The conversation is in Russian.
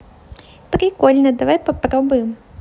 прикольно давай попробуем